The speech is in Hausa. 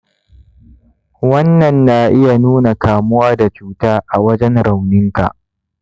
wannan na iya nuna kamuwa da cuta a wajen rauninka.